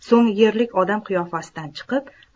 so'ng yerlik odam qiyofasidan chiqib